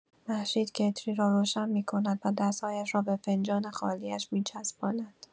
مهشید کتری را روشن می‌کند و دست‌هایش را به فنجان خالی‌اش می‌چسباند.